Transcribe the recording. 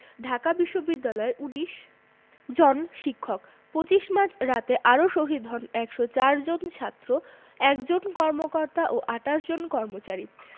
ঢাকা বিশ্ববিদ্যালয়ের ১৯ জন শিক্ষক ২৫ মার্চ রাতে আরো শহীদ হন ১০৪ জন ছাত্র ১ জন কর্মকর্তা ও ২৮ জন কর্মচারী